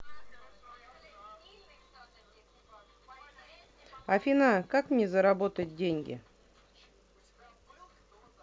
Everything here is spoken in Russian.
афина как мне заработать деньги